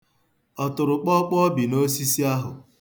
Ọtụrụkpọọkpọọ bi n'osisi ahụ.